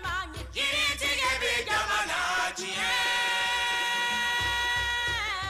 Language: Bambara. Maa'i tile tɛ bɛ jago diɲɛ